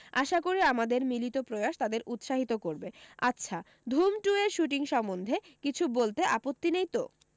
আশা করি আমাদের মিলিত প্রয়াস তাদের উৎসাহিত করবে আচ্ছা ধুম টু এর শুটিং সম্বন্ধে কিছু বলতে আপত্তি নেই তো